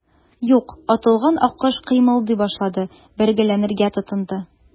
Юк, атылган аккош кыймылдый башлады, бәргәләнергә тотынды.